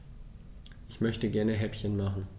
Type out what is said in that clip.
Ich möchte gerne Häppchen machen.